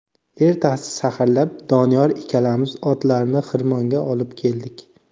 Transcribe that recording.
ertasi saharlab doniyor ikkalamiz otlarni xirmonga olib keldik